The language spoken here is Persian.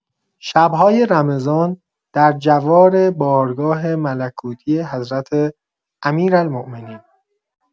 شب‌های رمضان در جوار بارگاه ملکوتی حضرت امیرالمومنین